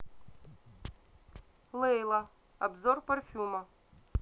лейла обзор парфюма